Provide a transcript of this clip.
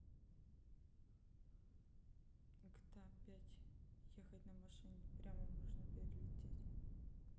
gta пять ехать на машине прямо можно перелетать